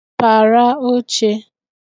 pàra ochē